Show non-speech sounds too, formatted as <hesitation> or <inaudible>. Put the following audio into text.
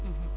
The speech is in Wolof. <hesitation> <hesitation>